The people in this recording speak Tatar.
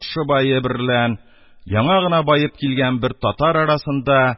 Мукшы бае берлән яңа гына баеп килгән бер татар арасында